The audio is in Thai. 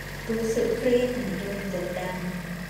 รู้สึกเครียดเหมือนโดนกดดัน